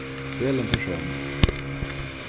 vel ein persón